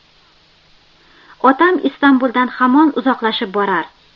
otam istambuldan hamon uzoqlashib borar